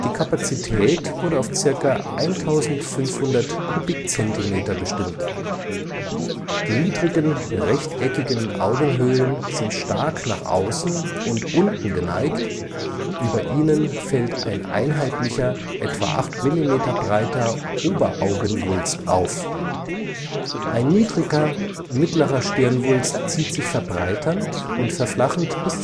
Kapazität wurde auf ca. 1500 cm³ bestimmt. Die niedrigen rechteckigen Augenhöhlen sind stark nach außen und unten geneigt, über ihnen fällt ein einheitlicher, etwa 8 mm breiter, Oberaugenwulst auf. Ein niedriger mittlerer Stirnwulst zieht sich verbreiternd und verflachend bis